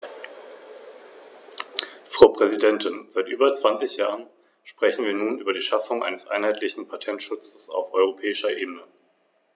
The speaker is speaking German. Der Bericht, den wir heute behandeln, hat im Grunde genommen keine großen Erneuerungen zur Folge, da die meisten Abänderungsanträge rein technischer Natur sind.